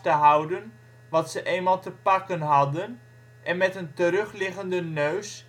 houden wat ze eenmaal te pakken hadden, en met een " terugliggende " neus